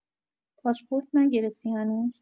پاسپورت نگرفتی هنوز؟